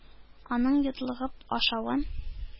Аның йотлыгып ашавын,